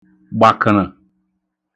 gbàkə̣̀ṙə̣̀